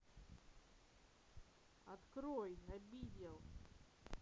открой обидел